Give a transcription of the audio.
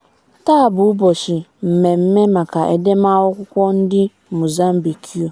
Taa bụ ụbọchị mmeme maka Edemakwụkwọ ndị Mozambique.